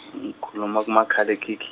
ngikhuluma kumakhalekhikh-.